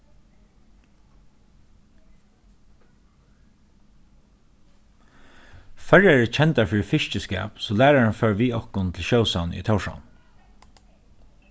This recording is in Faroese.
føroyar eru kendar fyri fiskiskap so lærarin fór við okkum til sjósavnið í tórshavn